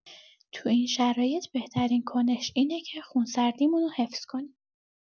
تو این شرایط بهترین کنش اینه که خونسردی‌مون رو حفظ کنیم.